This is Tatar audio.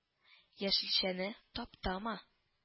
Яшелчәне таптама